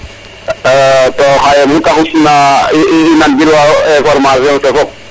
to xaye nute xis na i nan gilwa information ke fop